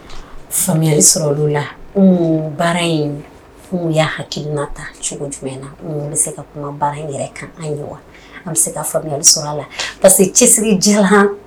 'a hakili jumɛn na kuma in yɛrɛ kan ye cɛ